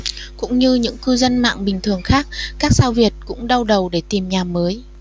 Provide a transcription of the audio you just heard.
cũng như những cư dân mạng bình thường khác các sao việt cũng đau đầu để tìm nhà mới